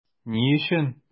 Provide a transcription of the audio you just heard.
Ни өчен?